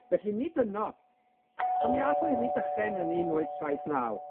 Felly nid yno, on' mi ath o i Rydychen yn un wyth saith naw.